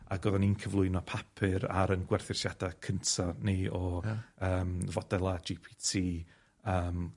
ag odden ni'n cyflwyno papur ar 'yn gwerthusiada cyntaf ni o yym fodela' Gee Pee Tee yym